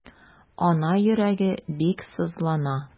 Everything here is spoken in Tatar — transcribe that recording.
Ана йөрәге бик сызлана.